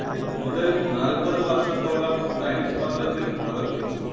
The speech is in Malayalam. മുതൽ നാൽപ്പതു വർഷത്തോളം ടൈെംസ് പത്രത്തിൽ പ്രവർത്തിച്ചു